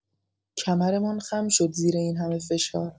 کمرمان خم شد زیر این همه فشار.